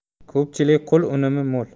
ko'pchilik qo'l unumi mo'l